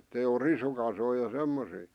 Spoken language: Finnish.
että ei ole risukasoja ja semmoisia